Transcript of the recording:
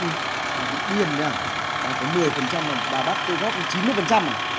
ư bà bị điên đấy à bà có mười phần trăm mà bà bắt tôi góp đến chín mươi phần trăm à